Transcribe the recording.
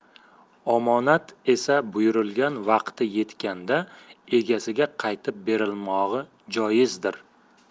omonat esa buyurilgan vaqti yetganda egasiga qaytib berilmog'i joizdir